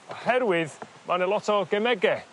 oherwydd ma' 'na lot o gemege